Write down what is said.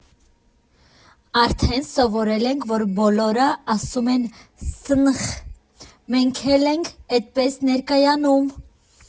Արդեն սովորել ենք, որ բոլորը ասում են Սնխ, մենք էլ ենք էդպես ներկայանում։